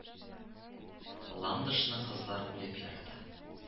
Ландышны кызлар үлеп ярата